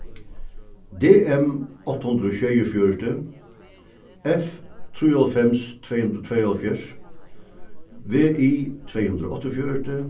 d m átta hundrað og sjeyogfjøruti f trýoghálvfems tvey hundrað og tveyoghálvfjerðs v i tvey hundrað og áttaogfjøruti